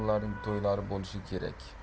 ularning to'ylari bo'lishi kerak